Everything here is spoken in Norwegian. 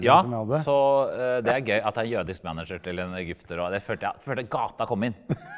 ja så det er gøy at det er jødisk manager til en egypter og det følte jeg følte gata kom inn.